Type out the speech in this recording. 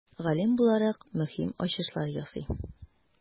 Галим буларак, мөһим ачышлар ясый.